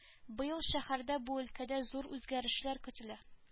Быел шәһәрдә бу өлкәдә зур үзгәрешләр көтелә